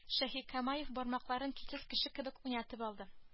Шаһикамаев бармакларын телсез кеше кебек уйнатып алды